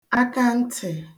akantị̀